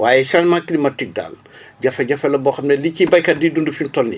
waaye changement climatique daal jafe-jafe la boo xam ne li ci béykat di dund fi mu toll nii